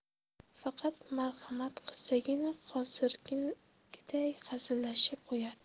faqat marhamat qilsagina hozirgiday hazillashib qo'yadi